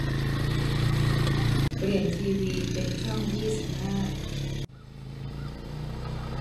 เปลี่ยนทีวีเป็นช่องยี่สิบห้า